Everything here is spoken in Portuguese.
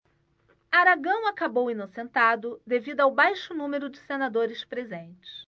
aragão acabou inocentado devido ao baixo número de senadores presentes